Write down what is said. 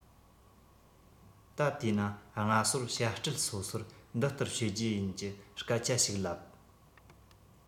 ད དེས ན སྔ སོར བྱ སྤྲེལ སོ སོར འདི ལྟར བྱེད རྒྱུ ཡིན གྱི སྐད ཆ ཞིག ལབ